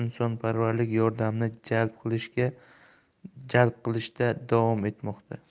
insonparvarlik yordamini jalb qilishda davom etmoqda